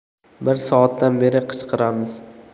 bir soatdan beri qichqiramiz